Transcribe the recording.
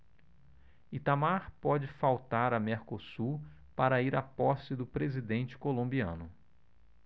itamar pode faltar a mercosul para ir à posse do presidente colombiano